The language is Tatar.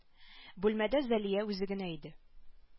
Бүлмәдә зәлия үзе генә иде